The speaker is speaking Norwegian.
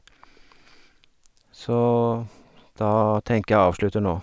Så, da tenker jeg jeg avslutter nå.